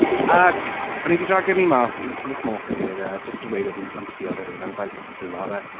Ac oedd hi 'di dragio fi mas to the smoking area, jyst i weud oedd hi'n ffansïo rywun and I was like, is that it?